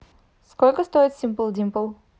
сколько стоит simple дима